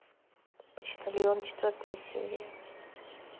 почтальон четвертая серия